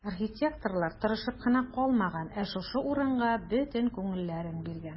Архитекторлар тырышып кына калмаган, ә шушы урынга бөтен күңелләрен биргән.